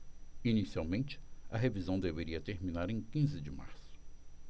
inicialmente a revisão deveria terminar em quinze de março